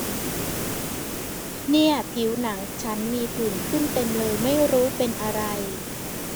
เนี่ยผิวหนังฉันมีผื่นขึ้นเต็มเลยไม่รู้เป็นอะไร